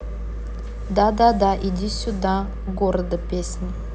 да да да иди сюда города песня